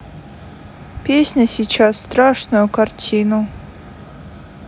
песня сейчас страшную картину